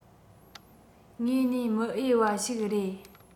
དངོས ནས མི འོས པ ཞིག རེད